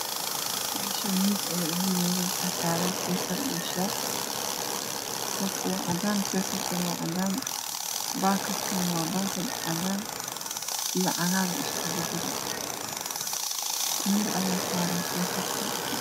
Meshan miis ayaa ino yalo waxa saran seesar io koob sesarka wacadan kobkanah bakadka waa cadan io cagaar timir ayaa saran sesarka